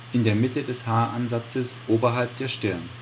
der Mitte des Haaransatzes oberhalb der Stirn